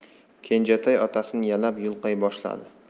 kenjatoy otasini yalab yulqay boshladi